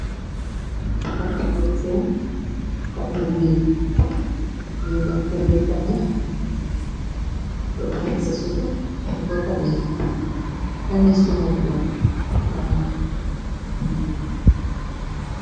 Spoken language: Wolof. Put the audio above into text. Tame ngay seen, tami weñ, biy dañ ko leeye, tame ko, am sa sunguf, di ko tame sunguf la ma tami weng